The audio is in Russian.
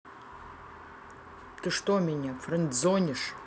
ты что меня френдзонишь